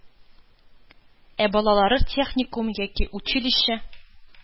Ә балалары техникум яки училище